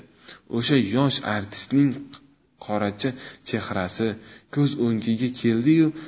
o'sha yosh artistning qoracha chehrasi ko'z o'ngiga keldi yu